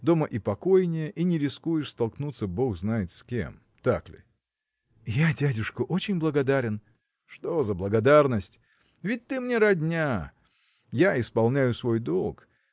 дома и покойнее и не рискуешь столкнуться бог знает с кем. Так ли? – Я, дядюшка, очень благодарен. – Что за благодарность? ведь ты мне родня? я исполняю свой долг.